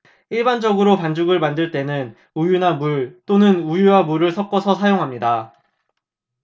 일반적으로 반죽을 만들 때는 우유나 물 또는 우유와 물을 섞어서 사용합니다